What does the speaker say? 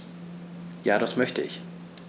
Ja, das möchte ich.